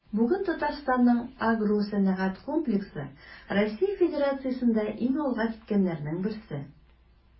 Бүген Татарстанның агросәнәгать комплексы Россия Федерациясендә иң алга киткәннәрнең берсе.